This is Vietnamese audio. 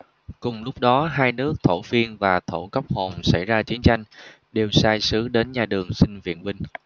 cùng lúc đó hai nước thổ phiên và thổ cốc hồn xảy ra chiến tranh đều sai sứ đến nhà đường xin viện binh